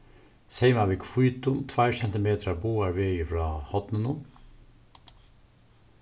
seyma við hvítum tveir sentimetrar báðar vegir frá horninum